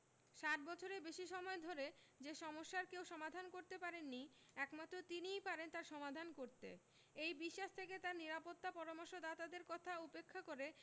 ৬০ বছরের বেশি সময় ধরে যে সমস্যার কেউ সমাধান করতে পারেনি একমাত্র তিনিই পারেন তার সমাধান করতে এই বিশ্বাস থেকে তাঁর নিরাপত্তা পরামর্শদাতাদের কথা উপেক্ষা করে